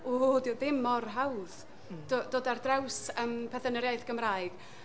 ww ddio ddim mor hawdd... m-hm. ...d- dod ar draws petha yn yr iaith Gymraeg.